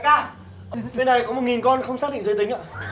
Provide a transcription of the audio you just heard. ca bên này có một nghìn con không xác định giới tính ạ